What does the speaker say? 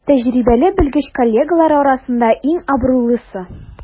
Тәҗрибәле белгеч коллегалары арасында иң абруйлысы.